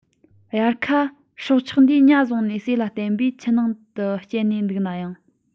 དབྱར ཁ སྲོག ཆགས འདིས ཉ བཟུང ནས ཟས ལ བརྟེན པས ཆུ ནང དུ རྐྱལ ནས འདུག ནའང